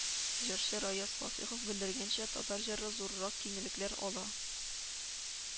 Җырчы Раяз Фасыйхов белдергәнчә, Татар җыры зуррак киңлекләр ала